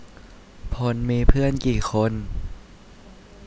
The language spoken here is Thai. พลมีเพื่อนกี่คน